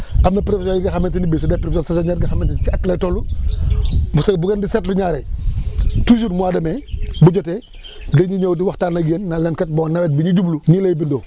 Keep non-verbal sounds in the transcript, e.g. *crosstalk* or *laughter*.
am na prévisions yi nga xamante ni bii c' est des prévisions saisonnières nga xamante ni ci a lay toll *noise* bu say bu ngeen di seetlu ñaare *noise* toujours mois de mai bu jotee dañuy ñëw di waxtaan ak yéen naan leen kat bon nawet bi ñu jublu nii lay bindo